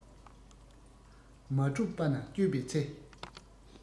མ གྲུབ པ ན དཔྱོད པའི ཚེ